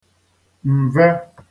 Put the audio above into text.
m̀ve